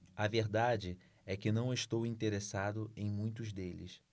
a verdade é que não estou interessado em muitos deles